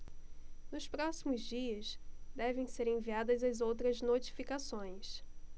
nos próximos dias devem ser enviadas as outras notificações